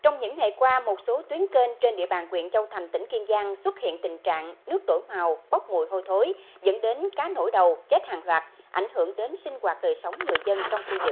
trong những ngày qua một số tuyến kênh trên địa bàn huyện châu thành tỉnh kiên giang xuất hiện tình trạng nước đổi màu bốc mùi hôi thối dẫn đến cá nổi đầu chết hàng loạt ảnh hưởng đến sinh hoạt đời sống người dân trong khu dực